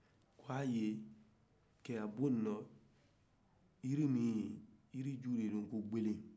wa yen cɛyabon in na jiri min bɛ yen o tɔgɔ de gele